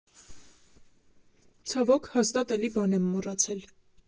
Ցավոք, հաստատ էլի բան եմ մոռացել։